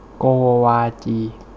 โกวาจี